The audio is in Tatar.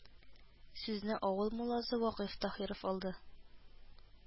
Сүзне авыл мулласы вакыйф таһиров алды